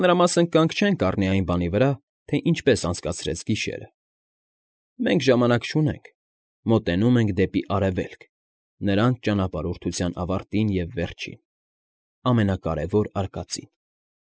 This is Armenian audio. Մանրամասն կանգ չենք առնի այն բանի վրա, թե նա ինչպես անցկարեց գիշերը. մենք ժամանակ չունենք, մոտենում ենք դեպի Արևելք նրանց ճանապարհորդության ավարտին և վերջին, ամենակարևոր արկածին։